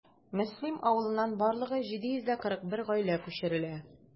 Мөслим авылыннан барлыгы 741 гаилә күчерелә.